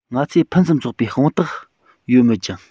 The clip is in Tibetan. ང ཚོར ཕུན སུམ ཚོགས པའི དཔང རྟགས ཡོད མོད ཀྱང